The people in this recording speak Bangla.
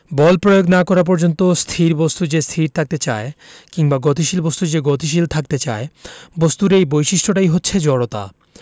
বল প্রয়োগ না করা পর্যন্ত স্থির বস্তু যে স্থির থাকতে চায় কিংবা গতিশীল বস্তু যে গতিশীল থাকতে চায় বস্তুর এই বৈশিষ্ট্যটাই হচ্ছে জড়তা